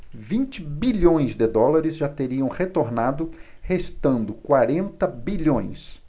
vinte bilhões de dólares já teriam retornado restando quarenta bilhões